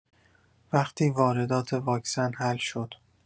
وقتی واردات واکسن حل شد